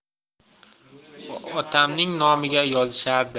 otamning nomiga yozishardi